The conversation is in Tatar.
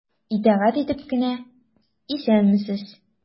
Итагать итеп кенә:— Исәнмесез!